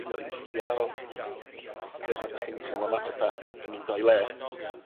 enghreifftia' olle lle m- lle lle ma' 'dych chi'n timlo ma' petha yn mynd o'i le.